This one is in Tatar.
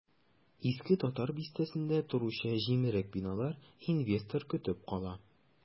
Иске татар бистәсендә торучы җимерек биналар инвестор көтеп кала.